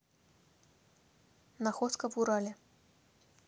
находка в урале